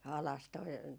alas tuo